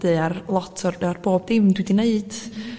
adeiladu ar lot o'r a'r bob dim dwi 'di neud